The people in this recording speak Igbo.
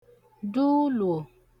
du uluò